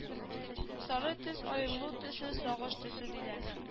Сары төс аерылу төсе сагыш төсе диләр